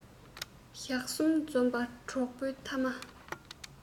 ཞག གསུམ འཛོམས པ འགྲོགས པའི ཐ མ